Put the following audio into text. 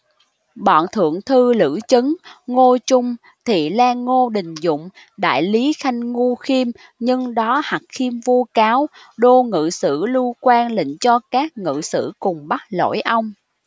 bọn thượng thư lữ chấn ngô trung thị lang ngô đình dụng đại lý khanh ngu khiêm nhân đó hặc khiêm vu cáo đô ngự sử lưu quan lệnh cho các ngự sử cùng bắt lỗi ông